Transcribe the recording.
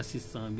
waaw